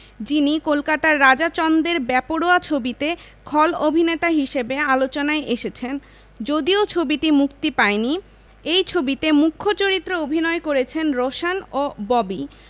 যিনি কলকাতার রাজা চন্দের বেপরোয়া ছবিতে খল অভিননেতা হিসেবে আলোচনায় এসেছেন যদিও ছবিটি মুক্তি পায়নি এই ছবিতে মূখ চরিত্রে অভিনয় করছেন রোশান ও ববি